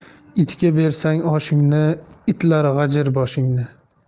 itga bersang oshingni itlar g'ajir boshingni